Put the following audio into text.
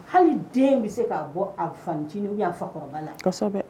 Hali den bɛ se k'a bɔ a fanincinin ou bien a fakɔrɔba la, kosɛbɛ